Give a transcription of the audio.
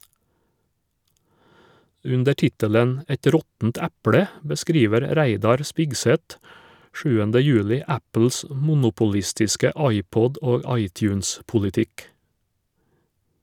Under tittelen "Et råttent eple" beskriver Reidar Spigseth 7. juli Apples monopolistiske iPod- og iTunes-politikk.